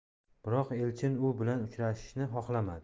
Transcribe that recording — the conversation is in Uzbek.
biroq elchin u bilan uchrashishni xohlamadi